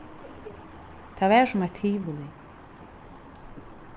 tað var sum eitt tivoli